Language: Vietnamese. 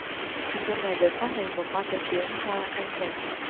album này được phát hành gồm ba thứ tiếng hoa anh nhật